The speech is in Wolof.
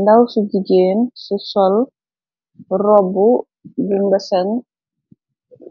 Ndaw ci jigeen ci sol robbu bumbeseŋ